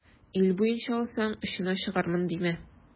Ил буенча алсаң, очына чыгармын димә.